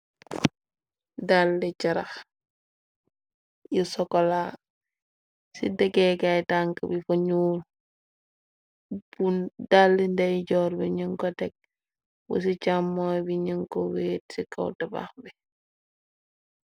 Dalli ćarax yu sokola, ci degee kay tank bi fa ñuul, bu dalli ndey joor bi ñën ko teg, bu ci càm mooy bi ñën ko wéet ci kaw tabaax bi.